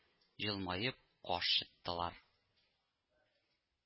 Җылмаеп каш чыттылар